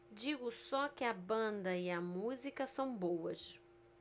digo só que a banda e a música são boas